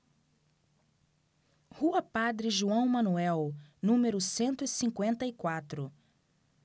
rua padre joão manuel número cento e cinquenta e quatro